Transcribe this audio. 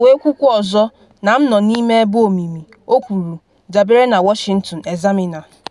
Ha wee kwukwa ọzọ, na m nọ n’ime ebe omimi.” o kwuru, dabere na Washington Examiner.